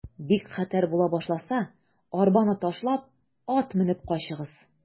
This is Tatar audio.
Бик хәтәр була башласа, арбаны ташлап, ат менеп качыгыз.